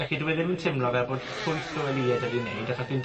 Felly dyw e ddim yn tiimlo fel bod llwyth o welye 'da fi wneud, achos fi'n